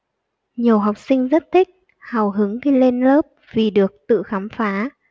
nhiều học sinh rất thích hào hứng khi lên lớp vì được tự khám phá